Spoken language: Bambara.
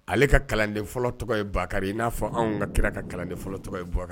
Ale ka kalanden fɔlɔ tɔgɔ ye Bakari, i n'a fɔ anw ka kira ka kalanden fɔlɔ tɔgɔ ye Bukari